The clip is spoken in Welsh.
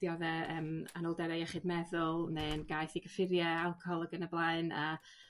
diodde yym anwldere iechyd meddwl ne'n gaeth i gyffurie alcohol ag yn y blaen a